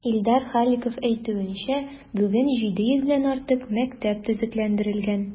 Илдар Халиков әйтүенчә, бүген 700 дән артык мәктәп төзекләндерелгән.